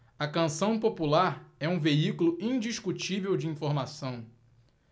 a canção popular é um veículo indiscutível de informação